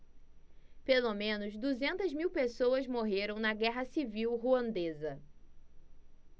pelo menos duzentas mil pessoas morreram na guerra civil ruandesa